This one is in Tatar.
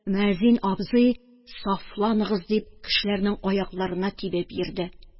Мөәззин абзый: «Сафланыгыз!» – дип, кешеләрнең аякларына тибеп йөрде.